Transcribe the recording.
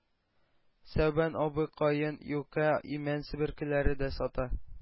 Сәүбән абый каен, юкә, имән себеркеләре дә сата.